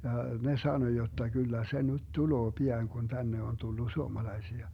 ja ne sanoi jotta kyllä se nyt tulee pian kun tänne on tullut suomalaisia